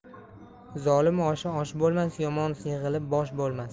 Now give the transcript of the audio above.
zolim oshi osh bo'lmas yomon yig'ilib bosh bo'lmas